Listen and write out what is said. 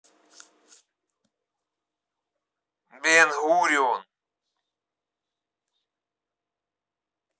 бен гурион